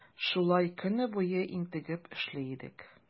Шулай көне буе интегеп эшли идек.